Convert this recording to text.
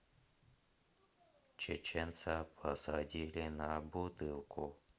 чеченца посадили на бутылку